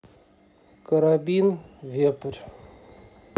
карабин вепрь